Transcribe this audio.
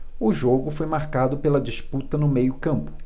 o jogo foi marcado pela disputa no meio campo